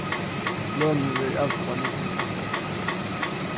lønin verður avtalað millum partarnar